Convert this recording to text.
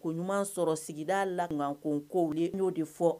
Ko ɲuman sɔrɔ sigida lagkan ko kow ye n y'o de fɔ